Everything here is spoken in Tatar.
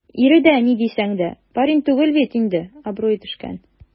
Ире дә, ни дисәң дә, барин түгел бит инде - абруе төшкән.